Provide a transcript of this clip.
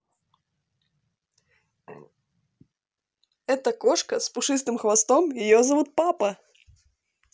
это кошка с пушистым хвостом ее зовут папа